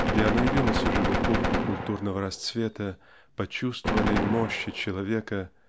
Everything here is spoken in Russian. где оно явилось уже в эпоху культурного расцвета почувствованной мощи человека